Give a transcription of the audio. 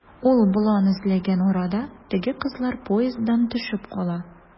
Ул болан эзләгән арада, теге кызлар поезддан төшеп кала.